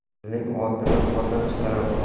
erning otini xotin chiqarar